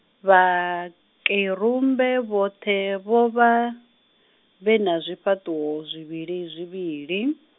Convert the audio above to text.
Vhakerumbe vhoṱhe, vho vha, vhena zwifhaṱu wo, zwivhilizwivhili.